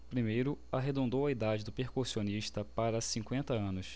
primeiro arredondou a idade do percussionista para cinquenta anos